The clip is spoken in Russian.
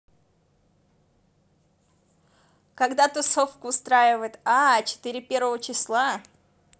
когда тусовку устраивает а четыре первого числа